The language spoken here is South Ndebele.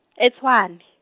e- Tshwane.